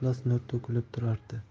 iflos nur to'kilib turardi